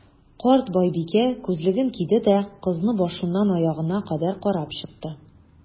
Карт байбикә, күзлеген киде дә, кызны башыннан аягына кадәр карап чыкты.